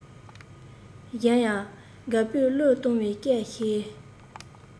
གཞན ཡང དགའ པོའི གླུ གཏོང བའི སྐད ཤེད